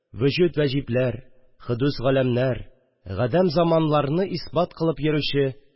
«вөҗүд ваҗибләр, хөдүс галәмлэр, гадәм заманлар»ны исбат кылып йөрүче